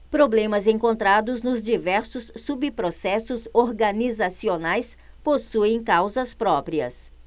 problemas encontrados nos diversos subprocessos organizacionais possuem causas próprias